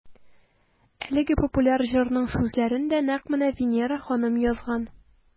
Әлеге популяр җырның сүзләрен дә нәкъ менә Винера ханым язган.